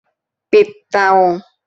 ปิดเตา